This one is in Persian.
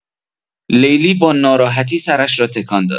لیلی با ناراحتی سرش را تکان داد.